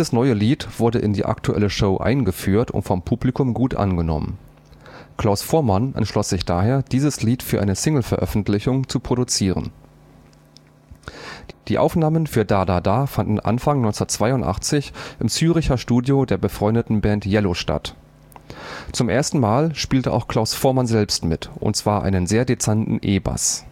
neue Lied wurde in die aktuelle Show eingeführt und vom Publikum gut angenommen. Klaus Voormann entschloss sich daher, dieses Lied für eine Single-Veröffentlichung zu produzieren. Das Casio VL-1, das in „ Da da da “zu hören ist Die Aufnahmen für „ Da da da “fanden Anfang 1982 im Zürcher Studio der befreundeten Band Yello statt. Zum ersten Mal spielte auch Klaus Voormann selbst mit – und zwar einen sehr dezenten E-Bass